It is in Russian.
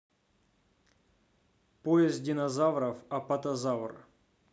поезд динозавров апатозавр